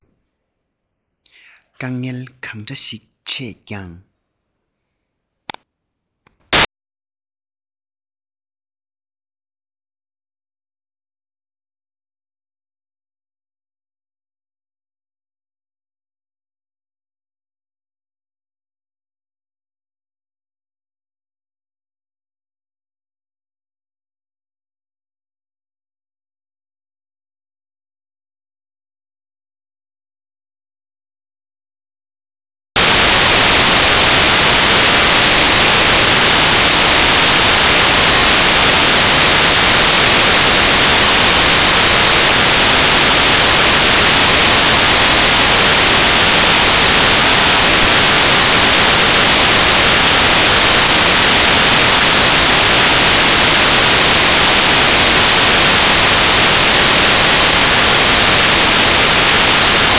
རང རང གི སློབ ཁང དུ ཕྱིན པས